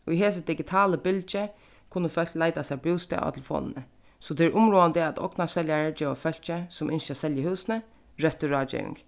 í hesi digitalu bylgju kunnu fólk leita sær bústað á telefonini so tað er umráðandi at ognarseljarar geva fólki sum ynskja at selja húsini røttu ráðgeving